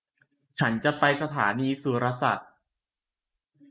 ฉันจะไปสถานีสุรศักดิ์